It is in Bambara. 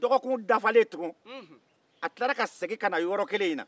dɔgɔkun dafalen a seginna ka na yɔrɔ kɔrɔ in na